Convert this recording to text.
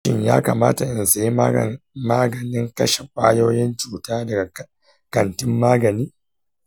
shin ya kamata in sayi maganin kashe ƙwayoyin cuta daga kantin magani?